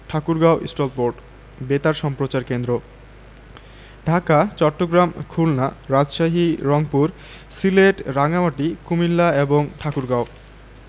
Thakurgaon stall port বেতার সম্প্রচার কেন্দ্রঃ ঢাকা চট্টগ্রাম খুলনা রাজশাহী রংপুর সিলেট রাঙ্গামাটি কুমিল্লা এবং ঠাকুরগাঁও